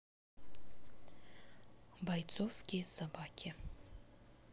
бойцовские собаки